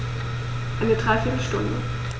Eine dreiviertel Stunde